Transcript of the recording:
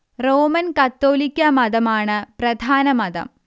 Roman കത്തോലിക്കാ മതം ആണ് പ്രധാന മതം